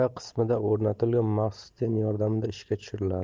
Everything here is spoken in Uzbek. o'rnatilgan maxsus ten yordamida ishga tushiriladi